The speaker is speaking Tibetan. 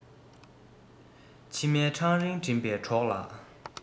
ཕྱི མའི འཕྲང རིང འགྲིམ པའི གྲོགས ལ